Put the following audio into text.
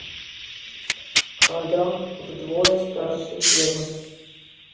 адам вдвое старше евы